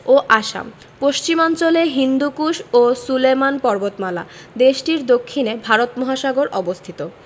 ও আসাম পশ্চিমাঞ্চলে হিন্দুকুশ ও সুলেমান পর্বতমালা দেশটির দক্ষিণে ভারত মহাসাগর অবস্থিত